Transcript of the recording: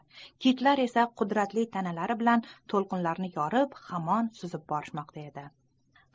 kitlar esa qudratli tanalari bilan to'lqinlarni yorib hamon suzib borishmoqda edi